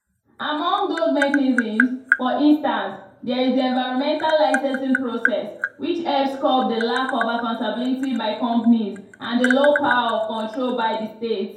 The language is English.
Among those mechanisms, for instance, there is the environmental licensing process, which helps curb the lack of accountability by companies and the low power of control by the State.